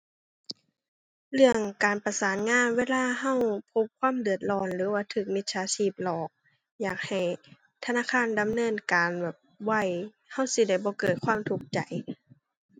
เรื่องการประสานงานเวลาเราพบความเดือดร้อนหรือว่าเรามิจฉาชีพหลอก อยากให้ธนาคารดำเนินการแบบไว เราสิได้บ่เกิดความทุกข์ใจ